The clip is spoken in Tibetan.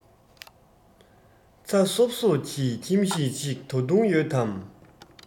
ཚ སོབ སོབ ཀྱི ཁྱིམ གཞིས ཤིག ད དུང ཡོད དམ